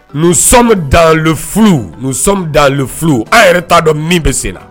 Nous sommes dans le flou, nous sommes dans le flou , an yɛrɛ t'a dɔn min bɛ sen na